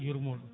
yurmo ɗum